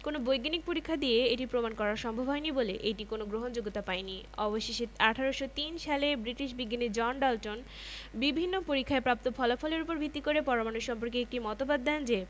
crane যখন কোনো কিছুকে টেনে তুলে সেটা একটা বল একটুখানি সময় দিলেই এ রকম নানা ধরনের বলের তোমরা একটা বিশাল তালিকা তৈরি করতে পারবে